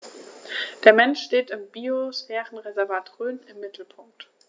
Der Mensch steht im Biosphärenreservat Rhön im Mittelpunkt.